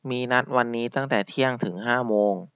มีนัดวันนี้ตั้งแต่เที่ยงถึงห้าโมง